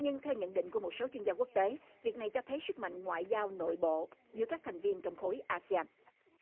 nhưng theo nhận định của một số chuyên gia quốc tế việc này cho thấy sức mạnh ngoại giao nội bộ giữa các thành viên trong khối a si an